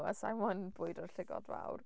A sa i moyn bwydo'r llygod mawr.